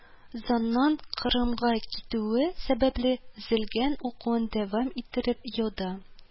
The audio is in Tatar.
Заннан кырымга китүе сәбәпле өзелгән укуын дәвам иттереп, елда